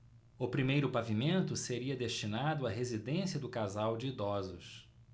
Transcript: o primeiro pavimento seria destinado à residência do casal de idosos